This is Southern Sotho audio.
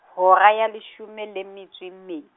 hora ya leshome le metso e mme.